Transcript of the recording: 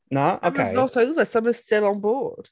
Na? Ocei...Summer's not over. Summer's still on board.